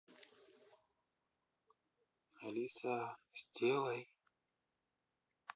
алиса сделай